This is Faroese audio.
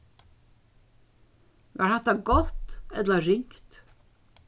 var hatta gott ella ringt